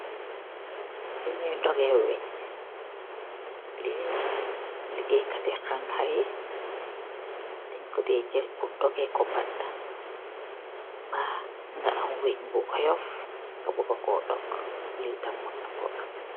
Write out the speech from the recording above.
Lii njui dohgeh weungh, lii ligaye kat yii hanha yii dengh kor dae jel pur dohgeh kor banta, mba nga am weungh bu oryoff nga buga kor dok, lii tam mun nakor dok.